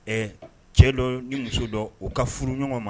Ɛɛ cɛ dɔ ni muso dɔ u ka furu ɲɔgɔn ma